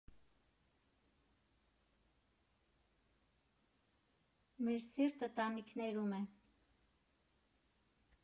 Մեր սիրտը տանիքներում է։